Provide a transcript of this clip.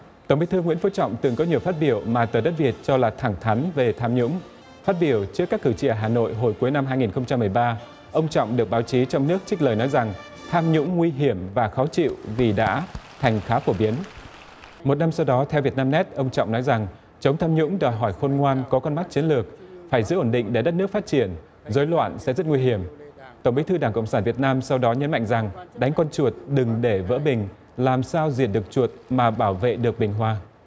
tổng bí thư nguyễn phú trọng từng có nhiều phát biểu mà tờ đất việt cho là thẳng thắn về tham nhũng phát biểu trước các cử tri ở hà nội hồi cuối năm hai nghìn không trăm mười ba ông trọng được báo chí trong nước trích lời nói rằng tham nhũng nguy hiểm và khó chịu vì đã thành khá phổ biến một năm sau đó theo việt nam net ông trọng nói rằng chống tham nhũng đòi hỏi khôn ngoan có con mắt chiến lược phải giữ ổn định để đất nước phát triển rối loạn sẽ rất nguy hiểm tổng bí thư đảng cộng sản việt nam sau đó nhấn mạnh rằng đánh con chuột đừng để vỡ bình làm sao diệt được chuột mà bảo vệ được bình hoa